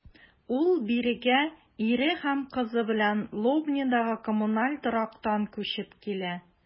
Ул бирегә ире һәм кызы белән Лобнядагы коммуналь торактан күчеп килә.